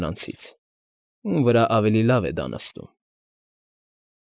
Նրանցից, ում վրա ավելի լավ է դա նստում։